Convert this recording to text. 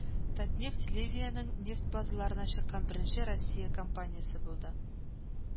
Татнефть Ливиянең нефть базарына чыккан беренче Россия компаниясе булды